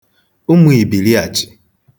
ụmụ ìbìliàchị̀